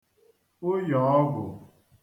ụyọ̄ōgwụ̀